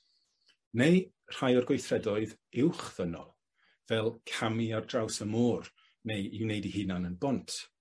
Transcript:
Neu rhai o'r gweithredoedd uwchddynol, fel camu ar draws y môr neu 'i wneud 'i hunan yn bont?